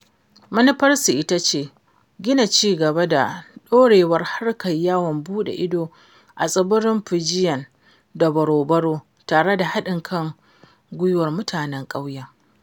Manufarsu ita ce gina ci gaba da ɗorewar harkar yawon buɗe ido a tsibirin Fijian da Vorovoro tare da haɗin gwiwar mutanen ƙauyen.